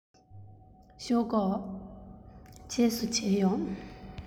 བཞུགས དགོས རྗེས སུ མཇལ ཡོང